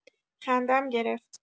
خندم گرفت.